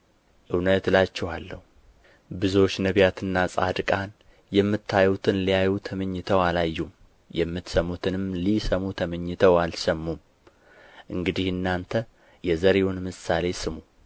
እውነት እላችኋለሁ ብዙዎች ነቢያትና ጻድቃን የምታዩትን ሊያዩ ተመኝተው አላዩም የምትሰሙትንም ሊሰሙ ተመኝተው አልሰሙም እንግዲህ እናንተ የዘሪውን ምሳሌ ስሙ